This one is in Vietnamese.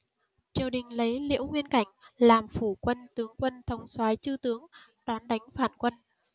triều đình lấy liễu nguyên cảnh làm phủ quân tướng quân thống soái chư tướng đón đánh phản quân